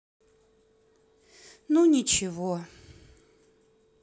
ну ничего